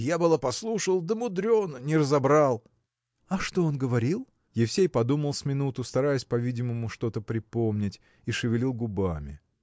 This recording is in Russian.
я было послушал, да мудрено: не разобрал. – А что он говорил? Евсей подумал с минуту стараясь по-видимому что-то припомнить и шевелил губами.